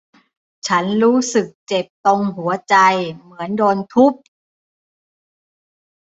ฉันรู้สึกเจ็บตรงหัวใจเหมือนโดนทุบ